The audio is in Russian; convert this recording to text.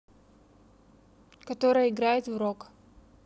которая играет в рок